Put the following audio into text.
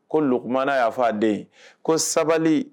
Ko kumana y yafaa fɔ a den ko sabali